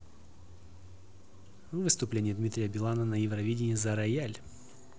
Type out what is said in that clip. выступление дмитрия билана на евровидении за рояль